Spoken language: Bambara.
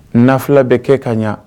Naula bɛ kɛ ka ɲɛ